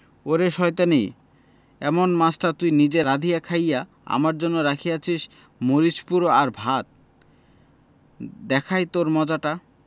ওরে শয়তানী এমন মাছটা তুই নিজে রাধিয়া খাইয়া আমার জন্য রাখিয়াছিস্ মরিচ পুড়ো আর ভাত দেখাই তোর মজাটা